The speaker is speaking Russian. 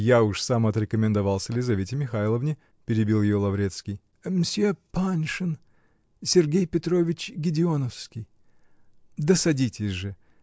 -- Я уж сам отрекомендовался Лизавете Михайловне, -- перебил ее Лаврецкий. -- Мсье Паншин. Сергей Петрович Гедеоновский. Да садитесь же!